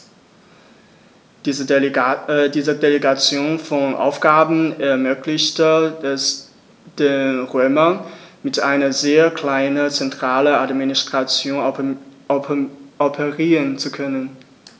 Diese Delegation von Aufgaben ermöglichte es den Römern, mit einer sehr kleinen zentralen Administration operieren zu können.